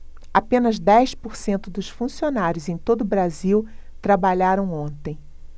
apenas dez por cento dos funcionários em todo brasil trabalharam ontem